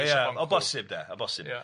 Ie o bosib 'de, o bosib. Ia.